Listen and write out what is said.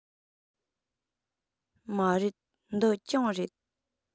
མ རེད འདི གྱང རེད